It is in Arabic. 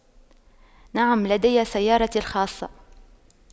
نعم لدي سيارتي الخاصة